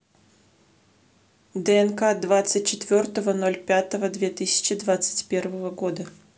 днк двадцать четвертого ноль пятого две тысячи двадцать первого года